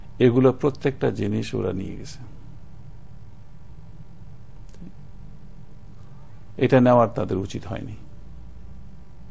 এগুলা প্রত্যেকটা জিনিস ওরা নিয়ে গেছে এগুলো নেয়া তাদের উচিত হয়নি